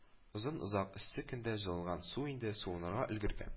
Озын-озак эссе көндә җылынган су инде суынырга өлгергән